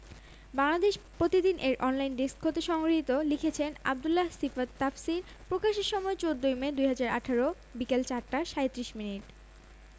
SAARC চলচ্চিত্র উৎসবে বাংলাদেশের দুই ছবি শ্রীলংকার রাজধানী কলম্বোতে আগামী ২২ মে অনুষ্ঠিত হচ্ছে ৮ম সার্ক চলচ্চিত্র উৎসব ২০১৮ চলবে ২৭ মে পর্যন্ত